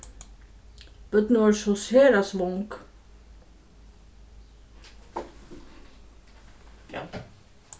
børnini vóru so sera svong